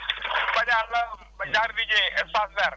Badiane la Badiane **** espace vert